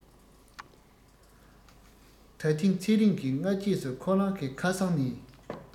ད ཐེངས ཚེ རིང གིས སྔ རྗེས སུ ཁོ རང གི ཁ སང ནས